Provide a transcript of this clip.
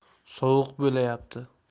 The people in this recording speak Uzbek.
sovuq bo'layapti